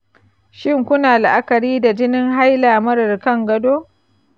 shin ku na la'akari da jinin haila marar kan gado?